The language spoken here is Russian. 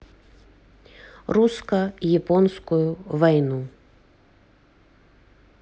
русско японскую войну